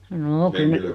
no kyllä ne